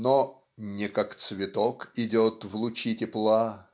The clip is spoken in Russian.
но "не как цветок идет в лучи тепла